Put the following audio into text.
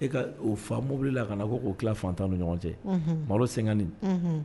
E ka o fa mobili la ka na ko k'o tila fantanw ni ɲɔgɔn cɛ. Unhun. Malo 50